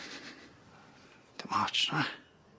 Dim ots, na?